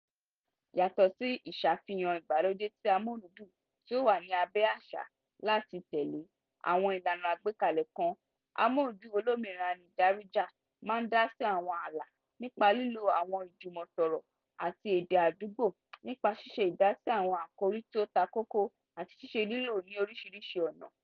Yàtọ̀ sí ìṣàfihàn ìgbàlódé ti amúlùúdùn, tí ó wà ní abẹ́ àṣẹ láti tẹ̀lé àwọn ìlànà àgbékalẹ̀ kan, àmúlùúdùn olómìnira ní Darija máa ń dásí àwọn ààlà, nípa lílo àwọn ìjùmọ̀sọ̀rọ̀ àti èdè àdúgbò, nípa ṣíṣe ìdásí àwọn àkórí tó ta kókó, àti ṣíṣe lílò ní oríṣìíríṣìí ọ̀nà.